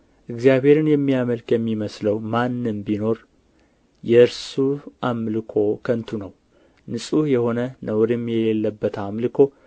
እግዚአብሔርን የሚያመልክ የሚመስለው ማንም ቢኖር የእርሱ አምልኮ ከንቱ ነው ንጹሕ የሆነ ነውርም የሌለበት አምልኮ